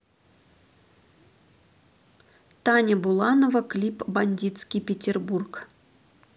таня буланова клип бандитский петербург